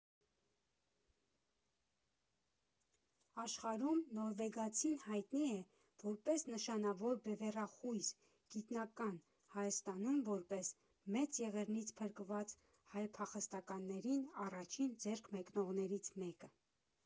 Աշխարհում նորվեգացին հայտնի է որպես նշանավոր բևեռախույզ գիտնական, Հայաստանում՝ որպես Մեծ Եղեռնից փրկված հայ փախստականներին առաջին ձեռք մեկնողներից մեկը.